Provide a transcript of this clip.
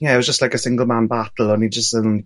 ie it was just like a single man battle o'n i jys yn